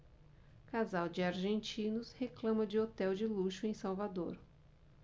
casal de argentinos reclama de hotel de luxo em salvador